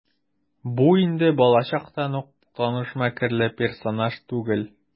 Бу инде балачактан ук таныш мәкерле персонаж түгел.